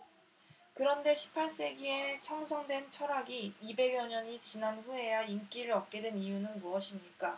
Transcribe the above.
그런데 십 팔 세기에 형성된 철학이 이백 여 년이 지난 후에야 인기를 얻게 된 이유는 무엇입니까